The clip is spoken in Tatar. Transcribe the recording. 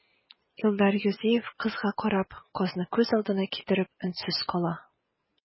Илдар Юзеев, кызга карап, казны күз алдына китереп, өнсез кала.